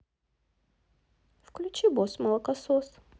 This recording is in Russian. включи босс молокосос